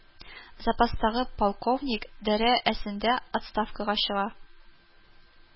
Запастагы полковник дәрә әсендә отставкага чыга